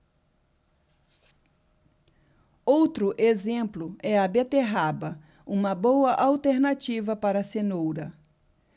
outro exemplo é a beterraba uma boa alternativa para a cenoura